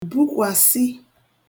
bukwàsị